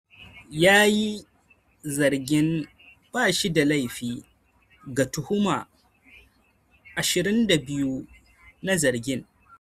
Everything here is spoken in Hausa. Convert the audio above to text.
Ya yi zargin ba shi da laifi ga tuhuma 22 na zargin.